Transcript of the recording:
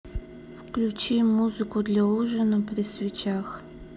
включи музыку для ужина при свечах